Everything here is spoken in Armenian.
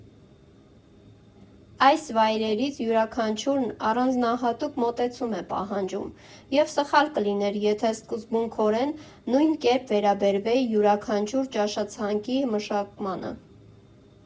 Այս վայրերից յուրաքանչյուրն առանձնահատուկ մոտեցում էր պահանջում, և սխալ կլիներ, եթե սկզբունքորեն նույն կերպ վերաբերվեի յուրաքանչյուրի ճաշացանկի մշակմանը։